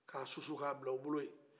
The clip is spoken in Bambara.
k'a susu k'a bila u bolo yen